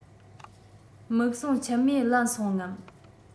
མིག ཟུང མཆི མས བརླན སོང ངམ